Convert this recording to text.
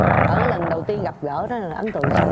ở cái lần đầu tiên gặp gỡ đó là ấn tượng sao